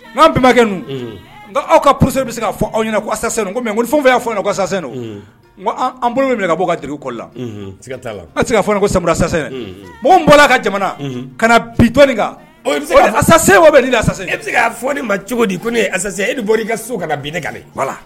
N anan bɛnbakɛ n nka aw ka p bɛ se ka fɔ aw ɲɛnasasɛ kɔmi ko ni fɛn fɔ y'a fɔn kosansɛ an bolo min ka bɔ ka dugu ko la awse ka ko samla sasɛ mɔgɔ bɔrala ka jamana ka na bisase bɛ e se ka fɔ ne ma cogo di ko ne ase e bɛ bɔ i kaso ka bin ne ka la